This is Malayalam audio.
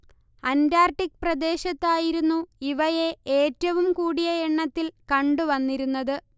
അന്റാർട്ടിക് പ്രദേശത്തായിരുന്നു ഇവയെ ഏറ്റവും കൂടിയ എണ്ണത്തിൽ കണ്ടു വന്നിരുന്നത്